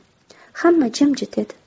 hamma jim edi